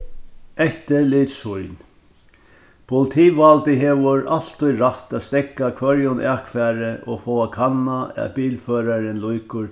eftirlitssýn politivaldið hevur altíð rætt at steðga hvørjum akfari og fáa kannað at bilførarin lýkur